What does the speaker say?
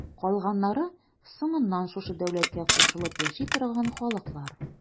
Калганнары соңыннан шушы дәүләткә кушылып яши торган халыклар.